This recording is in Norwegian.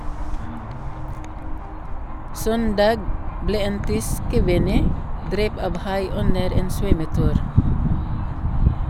Søndag ble en tysk kvinne drept av hai under en svømmetur.